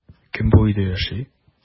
Кем бу өйдә яши?